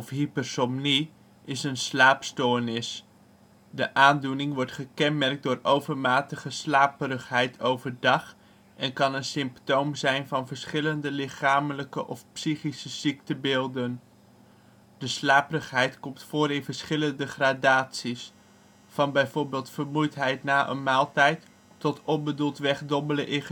hypersomnie is een slaapstoornis. De aandoening wordt gekenmerkt door overmatige slaperigheid overdag en kan een symptoom zijn van verschillende lichamelijke of psychische ziektebeelden. De slaperigheid komt voor in verschillende gradaties, van bijvoorbeeld vermoeidheid na een maaltijd tot onbedoeld wegdommelen in